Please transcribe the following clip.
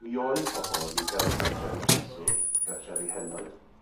mi oedd pobol yn mynd fewn i gartrefi preswyl, gartrefi henoed.